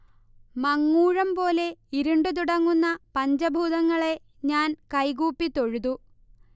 മങ്ങൂഴംപോലെ ഇരുണ്ടുതുടങ്ങുന്ന പഞ്ചഭൂതങ്ങളെ ഞാൻ കൈകൂപ്പി തൊഴുതു